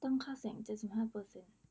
คั้งค่าเสียงเจ็ดสิบห้าเปอร์เซนต์